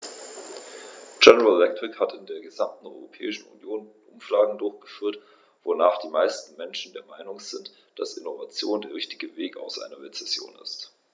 General Electric hat in der gesamten Europäischen Union Umfragen durchgeführt, wonach die meisten Menschen der Meinung sind, dass Innovation der einzige Weg aus einer Rezession ist.